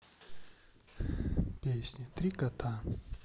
песни три кота